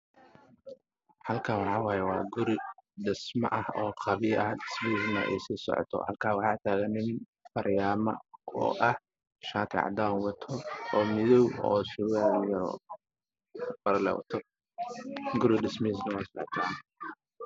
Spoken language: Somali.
Waxaa ii muuqda guri dhismo ku socda oo laga dhisayo dhagax al waax ayaa lagu celinayaasha mindada